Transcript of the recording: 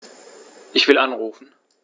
Ich will anrufen.